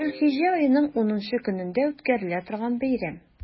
Зөлхиҗҗә аеның унынчы көнендә үткәрелә торган бәйрәм.